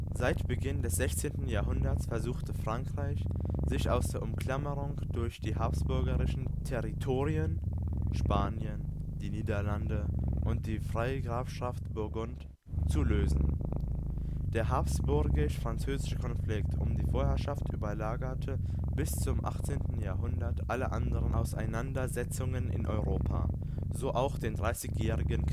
Seit Beginn des 16. Jahrhunderts versuchte Frankreich, sich aus der Umklammerung durch die Habsburgischen Territorien – Spanien, die Niederlande und die Freigrafschaft Burgund – zu lösen. Der habsburgisch-französische Konflikt um die Vorherrschaft überlagerte bis zum 18. Jahrhundert alle anderen Auseinandersetzungen in Europa, so auch den Dreißigjährigen Krieg